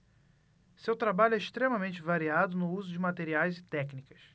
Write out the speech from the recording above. seu trabalho é extremamente variado no uso de materiais e técnicas